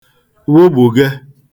wụgbùge